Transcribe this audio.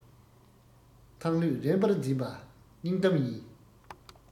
ཐང ལྷོད རན པར འཛིན པ སྙིང གཏམ ཡིན